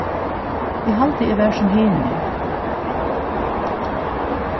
eg haldi eg var sum hinir